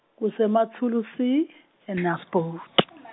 kuseMatsulu C eNaspoti .